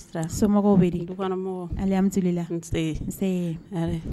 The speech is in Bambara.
Somɔgɔw bɛ an bisimilala sɛ